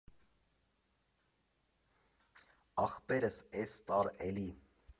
Ախպերս էս տար էլի։